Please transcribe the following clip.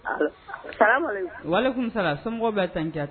Wali tun sara somɔgɔw bɛ tan kɛ